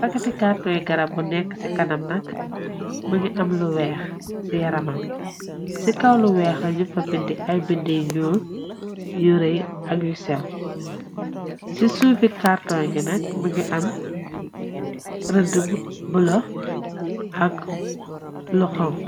Pakati kartony garab bu nekk ci kanam nak mi ngi am lu weex. Ci yaramampe ci kaw lu weex laju fa bindi ay bindi yul yurey ak yu sew. Ci suufi kàrtoy ngi nak mingi am rëd bu la ak lu xong.